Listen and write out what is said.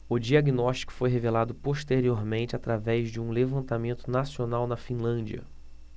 o diagnóstico foi revelado posteriormente através de um levantamento nacional na finlândia